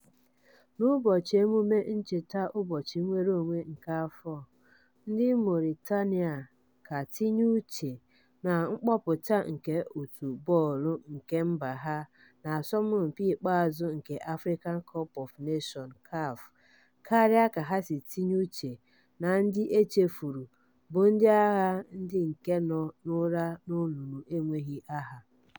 N'Ụbọchị Emume Ncheta Ụbọchị Nnwereonwe nke afọ a, ndị Mauritania ka tinye uche na mkpọpụta nke òtù bọọlụ nke mba ha na asọmpị ikpeazụ nke Africa Cup of Nations (CAF) karịa ka ha si tinye uche na ndị e chefuru bụ "ndị agha [ndị ke] nọ n'ụra n'olulu enweghị aha ...